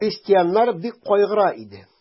Крестьяннар бик кайгыра иде.